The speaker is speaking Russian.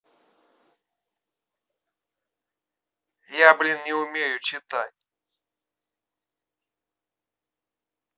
я блин не умею читать